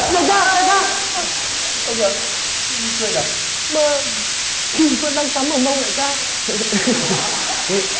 đại ca ơ kìa buồn cười nhờ mơ kim vẫn đang cắm ở mông đại ca kệ